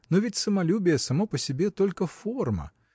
но ведь самолюбие само по себе только форма